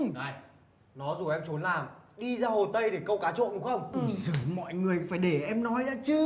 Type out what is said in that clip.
này nó rủ em trốn làm đi ra hồ tây để câu cá trộm đúng không ui dời mọi người phải để em nói đã chứ